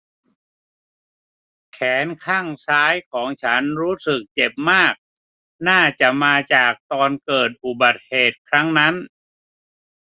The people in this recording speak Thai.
แขนข้างซ้ายของฉันรู้สึกเจ็บมากน่าจะมาจากตอนเกิดอุบัติเหตุครั้งนั้น